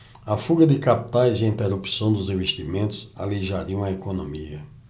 a fuga de capitais e a interrupção dos investimentos aleijariam a economia